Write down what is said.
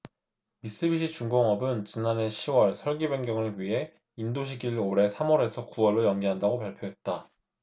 미쓰비시 중공업은 지난해 시 월 설계 변경을 위해 인도시기를 올해 삼 월에서 구 월로 연기한다고 발표했다